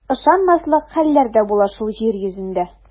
Ышанмаслык хәлләр дә була шул җир йөзендә.